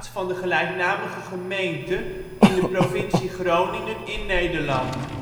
van de gelijknamige gemeente in de provincie Groningen in Nederland